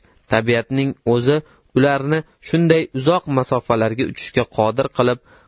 tabiatning o'zi ularni shunday uzoq masofalarga uchishga qodir qilib